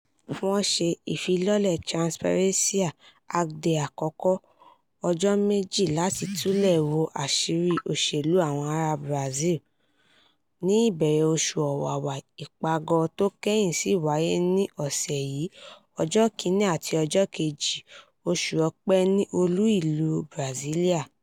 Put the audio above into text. Wọ́n ṣe ìfilọ́lẹ̀ Transparência [Transparency] Hackday àkọ́kọ́, “ọjọ́ mejì láti túlẹ̀ wo àṣìrí òṣèlú àwọn ará Brazil” ní ìbẹ̀rẹ̀ oṣù Ọ̀wàwà, ìpàgọ́ tó kẹ́yìn sì wáyé ní ọ̀sẹ̀ yìí ọjọ́ 1st àti 2nd oṣù Ọ̀pẹ ní olú ìlu Brasília [pt].